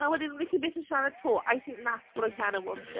A wedyn dach chi byth yn siarad eto, I think that's what Ikenna wanted.